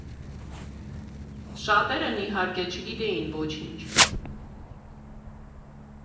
Շատերն իհարկե չգիտեին ոչինչ.